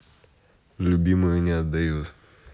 любимую не отдают